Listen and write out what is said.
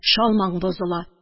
Чалмаң бозыла.